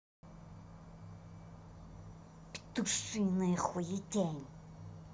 петушиная хуетень